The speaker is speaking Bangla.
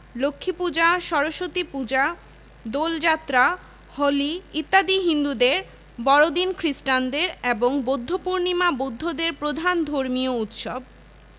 ঈদুল ফিত্ র ঈদুল আযহা শবে বরআত শবে কদর ঈদে মীলাদুননবী মুহররম ইত্যাদি মুসলমানদের প্রধান ধর্মীয় উৎসব দুর্গাপূজা কালীপূজা